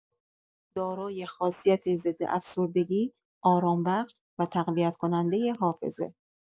دارای خاصیت ضدافسردگی، آرام‌بخش و تقویت‌کننده حافظه